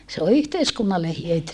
se on yhteiskunnalle hyöty